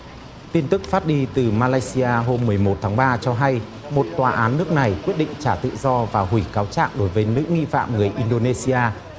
tin tức phát đi từ ma lay si a hôm mười một tháng ba cho hay một tòa án nước này quyết định trả tự do và hủy cáo trạng đối với nữ nghi phạm người in đô nê xi a